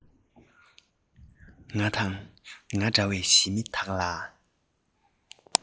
ང དང ང འདྲ བའི ཞི མི དག ལ